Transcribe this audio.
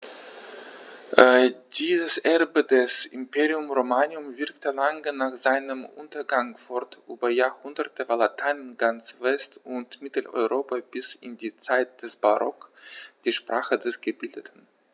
Dieses Erbe des Imperium Romanum wirkte lange nach seinem Untergang fort: Über Jahrhunderte war Latein in ganz West- und Mitteleuropa bis in die Zeit des Barock die Sprache der Gebildeten.